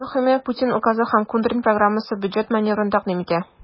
Иң мөһиме, Путин указы һәм Кудрин программасы бюджет маневрын тәкъдим итә.